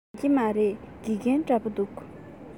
ཡིན གྱི མ རེད དགེ རྒན འདྲ པོ འདུག